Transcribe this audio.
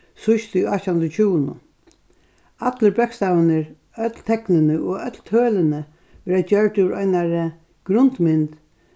síðst í átjanhundraðogtjúgunum allir bókstavarnir øll teknini og øll tølini verða gjørd úr einari grundmynd